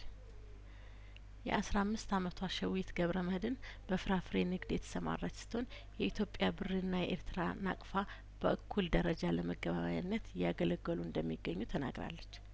የአስራ አምስት አመቷ ሸዊት ገብረመድህን በፍራፍሬንግድ የተሰማራች ስት ሆን የኢትዮጵያ ብርና የኤርትራናቅፋ በእኩል ደረጃ ለመገበያያነት እያገለገሉ እንደሚገኙ ተናግራለች